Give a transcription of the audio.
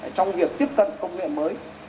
trong việc tiếp cận công nghệ mới